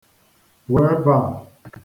Pụọ ebe a.